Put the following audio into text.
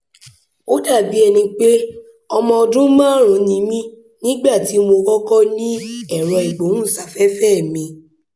Ó dà bí ẹni pé ọmọ ọdún 5 ni mí nígbà tí mo kọ́kọ́ ní ẹ̀rọ-ìgbóhùnsáfẹ́fẹ́ẹ̀ mi.